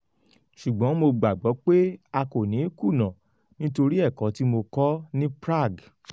Ṣùgbọ́n mo gbàgbọ́ pé a kò ní kùnà, nítorí ẹ̀kọ́ tí mo kọ̀ ní Prague.